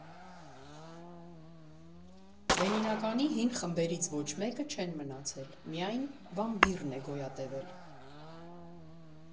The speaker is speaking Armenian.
Լենինականի հին խմբերից ոչ մեկը չեն մնացել, միայն «Բամբիռն» է գոյատևել։